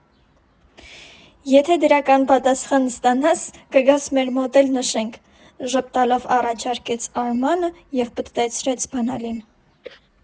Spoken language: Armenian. Եթե դրական պատասխան ստանաս՝ կգաս մեր մոտ էլ նշենք, ֊ ժպտալով առաջարկեց Արմանը և պտտեցրեց բանալին։